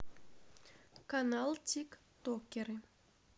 канал тиктокеры